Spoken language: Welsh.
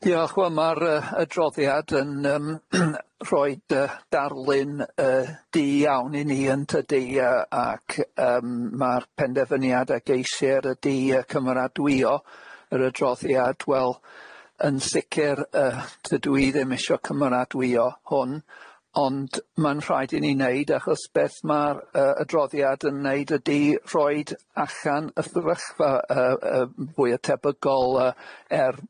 Diolch wel ma'r y- adroddiad yn yym rhoid y- darlun y- du iawn i ni yntydi y- ac yym ma'r penderfyniad ag eisir ydy y- cymeradwyo yr adroddiad wel yn sicir y- tydw i ddim isio cymeradwyo hwn ond ma'n rhaid i ni neud achos beth ma'r y- adroddiad yn neud ydy rhoid allan y thefyllfa y- y- m- mwya tebygol y- er-